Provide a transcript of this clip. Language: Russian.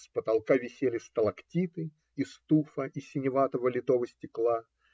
С потолка висели сталактиты из туфа и синеватого литого стекла